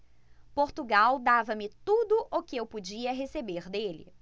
portugal dava-me tudo o que eu podia receber dele